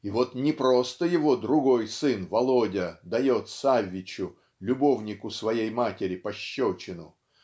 и вот не просто его другой сын Володя дает Саввичу любовнику своей матери пощечину